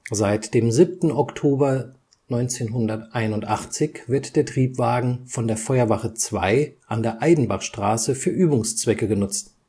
Seit dem 7. Oktober 1981 wird der Triebwagen von der Feuerwache 2 an der Aidenbachstraße für Übungszwecke genutzt